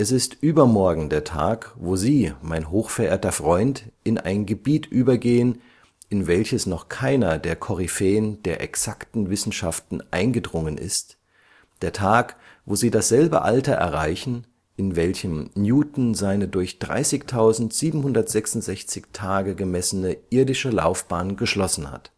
ist übermorgen der Tag, wo Sie, mein hochverehrter Freund, in ein Gebiet übergehen, in welches noch keiner der Koryphäen der exacten Wissenschaften eingedrungen ist, der Tag, wo Sie dasselbe Alter erreichen, in welchem Newton seine durch 30766 Tage gemessene irdische Laufbahn geschlossen hat